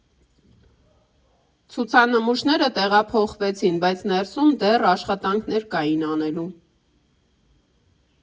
Ցուցանմուշները տեղափոխվեցին, բայց ներսում դեռ աշխատանքներ կային անելու։